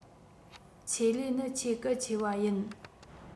ཆེད ལས ནི ཆེས གལ ཆེ བ ཡིན